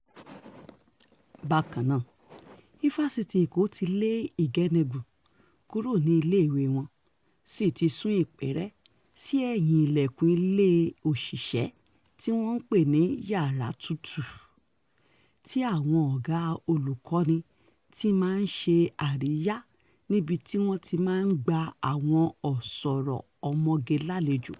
Bákan náà, Ifásitì Èkó ti lé Igbeneghu kúrò ní ilé ìwé wọ́n sì ti sún ìpèré sí ẹ̀hìn ilẹ̀kùn ilé òṣìṣẹ́ tí wọ́n ń pè ní "yàrá tútù", tí àwọn ọ̀gá olùkọ́ni ti máa ń ṣe àríyá níbi tí wọ́n ti máa ń gba àwọn ọ̀ṣọ́rọ̀ ọmọge lálejò.